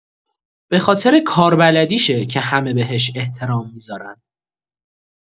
به‌خاطر کاربلدیشه که همه بهش احترام می‌ذارن.